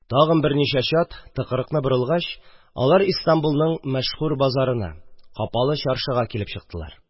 Тагын берничә чат, тыкрыкны борылгач, алар Истанбулның мәшһүр базарына – Капалы Чаршыга килеп чыктылар